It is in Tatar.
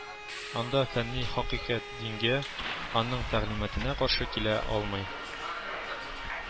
Анда фәнни хакыйкать дингә, аның тәгълиматына каршы килә алмый